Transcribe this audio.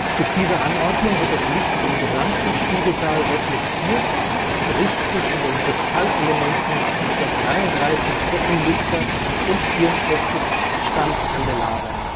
Durch diese Anordnung wird das Licht im gesamten Spiegelsaal reflektiert und bricht sich in den Kristallelementen der 33 Deckenlüster und 44 Standkandelabern